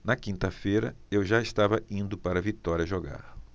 na quinta-feira eu já estava indo para vitória jogar